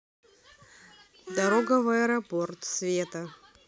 дорога в аэропорт света